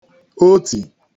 otì